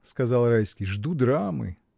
— сказал Райский, — жду драмы.